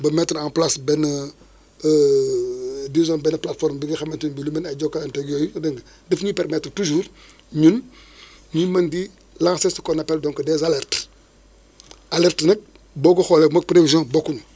ba mettre en palce benn disons benn plateforme bi nga xamante ne bi lu mel ni ay Jokalanteeg yooyu dégg nga daf ñuy permettre toujours énun ñuy mëm di lancer ce qu' on appelle donc des alertes alerte nag boo ko xoolee moog prévision bokkuñu